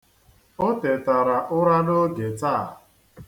O tetara ụra n'oge taa.